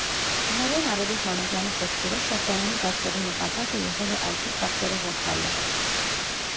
Տնօրեն Արևիկ Մանուկյանի խոսքերով, սրճարանի բացվելու նպատակը եղել է այգու ծախսերը հոգալը։